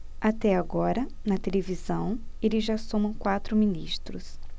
até agora na televisão eles já somam quatro ministros